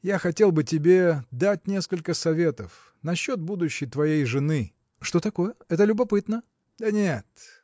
я хотел бы тебе дать несколько советов. насчет будущей твоей жены. – Что такое? это любопытно. – Да нет!